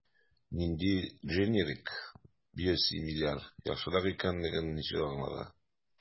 Нинди дженерик/биосимиляр яхшырак икәнлеген ничек аңларга?